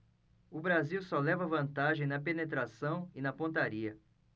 o brasil só leva vantagem na penetração e na pontaria